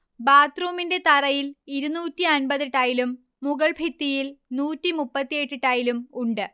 ബാത്ത്റൂമിന്റെ തറയിൽ ഇരുന്നൂറ്റി അന്പത് ടൈലും മുകൾഭിത്തിയിൽ നൂറ്റി മുപ്പത്തിയെട്ട് ടൈലും ഉണ്ട്